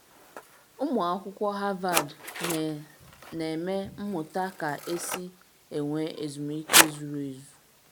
Ụmụ akwụkwọ Harvard na-eme mmụta ka-esi enwe ezumike zuru ezu